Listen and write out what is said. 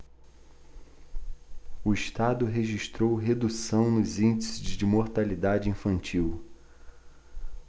o estado registrou redução nos índices de mortalidade infantil